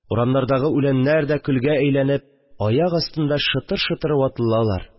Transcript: Урамнардагы үләннәр дә, көлгә әйләнеп, аяк астында шытыр-шытыр ватылалар